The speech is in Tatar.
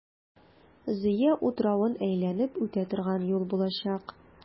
Зөя утравын әйләнеп үтә торган юл булачак.